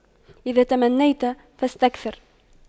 إذا تمنيت فاستكثر